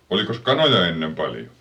olikos kanoja ennen paljon